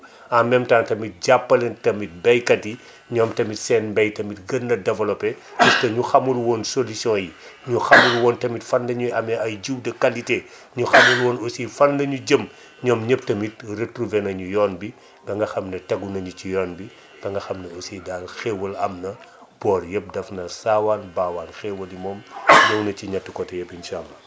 en même temps tamit jàppale tamit baykat yi ñoom tamit seen mbay tamit gën a développé pour que ñu xamul woon solution yi ñu xamul woon tamit fan la ñuy amee ay jiwu de qualité ñu xamul woon aussi fan la ñu jëm ñoom ñëpp tamit retrouvé nañu yoon bi ba nga xam ne tegu nañu ci yoon bi ba nga xam ne aussi daal xéwal am na boor yëpp def na saawaan baawaan xéwal yi moom ñëw na ci ñetti côté yëpp incha allah